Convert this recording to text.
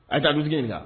Ada mun b'e la?